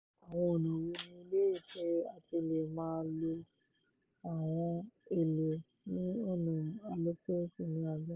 Àwọn ọ̀nà wo ni o lérò pé a ti lè máa lo àwọn ohun èlò ní ọ̀nà àlòpẹ́ síi ní àgbáyé?